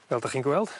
Fel 'dach chi'n gweld